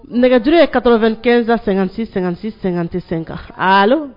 Nɛgɛjuru ye 95 56 56 55, allo